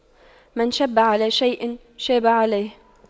من شَبَّ على شيء شاب عليه